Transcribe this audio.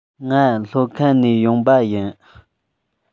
ང ལྷོ ཁ ནས ཡོང པ ཡིན